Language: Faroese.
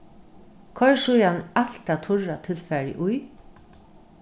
koyr síðani alt tað turra tilfarið í